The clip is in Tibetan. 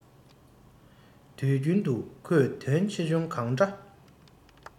དུས རྒྱུན དུ ཁོས དོན ཆེ ཆུང གང འདྲ